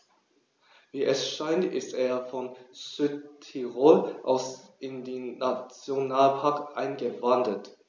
Wie es scheint, ist er von Südtirol aus in den Nationalpark eingewandert.